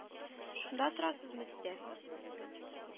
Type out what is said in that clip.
-шунда торасызмы? - диде.